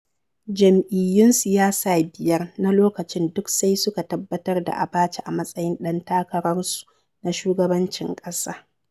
Jam'iyyun siyasa biyar na lokacin duk sai suka tabbatar da Abacha a matsayin ɗan takararsu na shugabancin ƙasa.